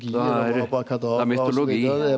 det er det er mytologi.